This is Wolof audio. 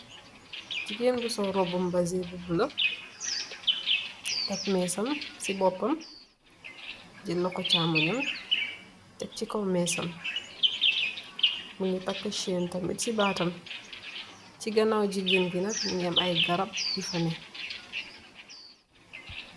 Jigeen bu sol roba bese bu bula, teg mes sam si boppam, jal loxo caamonyam teg cii kaw mes sam, mingi takk ceen tamit si baatam, ci ganaaw jigeen ngi nak, mingi am ay garab yu fa nee